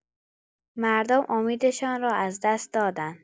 مردم امیدشان را از دست دادند.